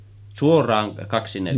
Suoraan kaksi neljännestä